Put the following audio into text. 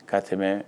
Ka tɛmɛ